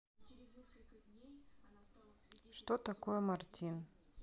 что такое мартин